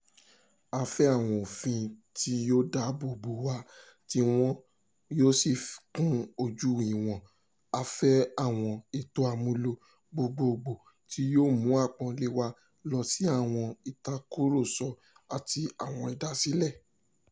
À ń fẹ́ àwọn òfin tí yóò dáàbò bò wá tí wọn yóò sì kún ojú ìwọ̀n, a fẹ́ àwọn ètò àmúlò gbogboògbò tí yóò mú àpọ́nlé wa lọ sí àwọn ìtàkùrọ̀sọ àti àwọn ìdásílẹ̀.